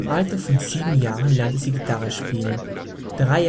Alter von sieben Jahren lernte sie Gitarre spielen. Drei